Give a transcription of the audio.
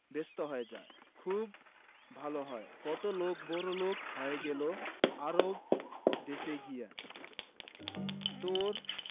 ব্যস্ত হয়ে যায় খুব ভালো হয় কত লোক বড়লোক হয়ে গেল আরব দেশে গিয়ে তোর